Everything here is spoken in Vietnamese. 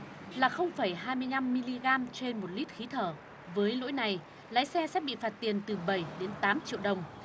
là không phẩy hai mươi lăm mi li gam trên một lít khí thở với lỗi này lái xe sẽ bị phạt tiền từ bảy đến tám triệu đồng